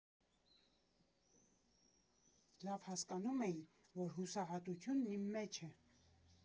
Լավ հասկանում էի, որ հուսահատությունն իմ մեջ է։